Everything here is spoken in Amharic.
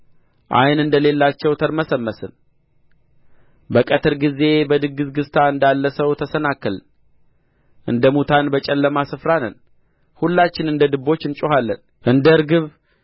ዓይን እንደሌላቸው ተርመሰመስን በቀትር ጊዜ በድግዝግዝታ እንዳለ ሰው ተሰናከልን እንደ ሙታን በጨለማ ስፍራ ነን ሁላችን እንደ ድቦች እንጮኻለን እንደ ርግብ